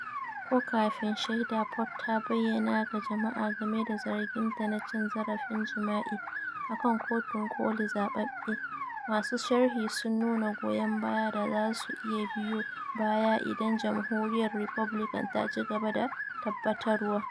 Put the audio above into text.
Ko kafin shaida Ford ta bayyana ga jama’a game da zarginta na cin zarafin jima'i akan Kotun Koli zababbe, masu sharhi sun nuna goyon bayan da za su iya biyo baya idan Jamhuriyyar Republican ta ci gaba da tabbatarwa.